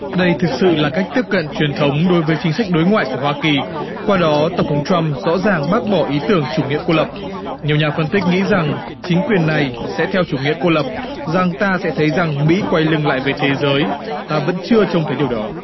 đây thực sự là cách tiếp cận truyền thống đối với chính sách đối ngoại của hoa kỳ qua đó tổng thống trăm rõ ràng bác bỏ ý tưởng chủ nghĩa cô lập nhiều nhà phân tích nghĩ rằng chính quyền này sẽ theo chủ nghĩa cô lập rằng ta sẽ thấy rằng mỹ quay lưng lại với thế giới ta vẫn chưa trông thấy điều đó